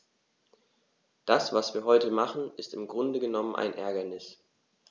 Das, was wir heute machen, ist im Grunde genommen ein Ärgernis.